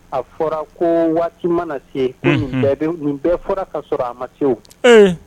A fɔra ko waati mana na se bɛɛ nin bɛɛ fɔra ka sɔrɔ a ma se